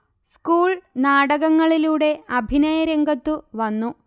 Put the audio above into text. school നാടകങ്ങളിലൂടെ അഭിനയ രംഗത്തു വന്നു